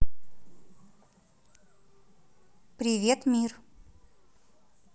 привет мир